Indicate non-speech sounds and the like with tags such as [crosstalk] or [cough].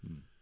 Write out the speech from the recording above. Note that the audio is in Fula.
[hesitation] [hesitation]